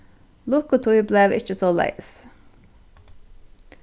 lukkutíð bleiv ikki soleiðis